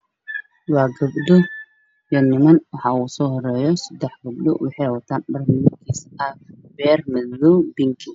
Waa gsbdho iyo ninaman waxa ugu soo horeeyo sadax gabdho waxay wataan dhar midabkiisu cagaar iyo madoow iyo binki